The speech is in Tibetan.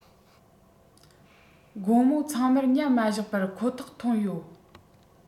དགོང མོ ཚང མར ཉམས མ བཞག པར ཁོ ཐག ཐོན ཡོད